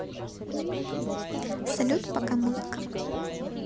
салют пока музыка